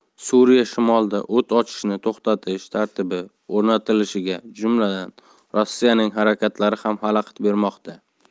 suriya shimolida o't ochishni to'xtatish tartibi o'rnatilishiga jumladan rossiyaning harakatlari ham xalaqit bermoqda